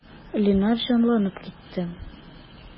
Линар җанланып китте.